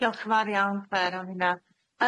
Dio'ch yn fawr iawn Clare am hunna.